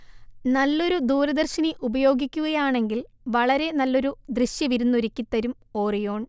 നല്ലൊരു ദൂരദർശിനി ഉപയോഗിക്കുകയാണെങ്കിൽ വളരെ നല്ലൊരു ദൃശ്യവിരുന്നൊരുക്കിത്തരും ഓറിയോൺ